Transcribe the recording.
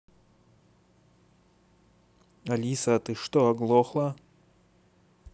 алиса ты что оглохла